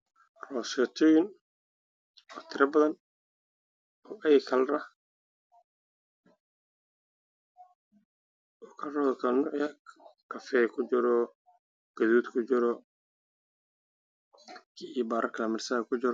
Meeshaan waxaa ka muuqdo roosootooyin faro badan